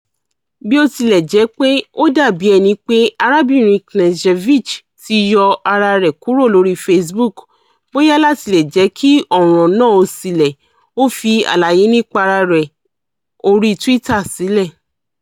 Bíótilẹ̀jẹ́pé ó dàbí ẹni pé arábìnrin Knežević ti yọ ara rẹ̀ kúrò lórí Facebook, bóyá láti lè jẹ́ kí ọ̀ràn náà ó silẹ̀, ó fi àlàyé-nípa-ara rẹ̀ orí Twitter sílẹ̀.